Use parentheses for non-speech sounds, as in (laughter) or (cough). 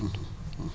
(hesitation) (hesitation)